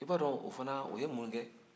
i b'a dɔn o fana o ye mun kɛ